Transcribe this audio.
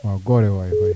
waaw goore waay